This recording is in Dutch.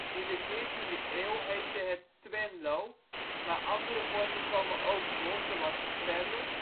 In de 14e eeuw heette het Twenlo, maar andere vormen komen ook voor zoals; Twelle